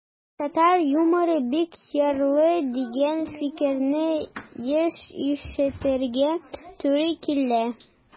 Татар юморы бик ярлы, дигән фикерне еш ишетергә туры килә.